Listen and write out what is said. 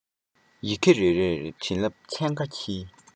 ཡི གེ རེ རེར བྱིན རླབས ཚན ཁ འཁྱིལ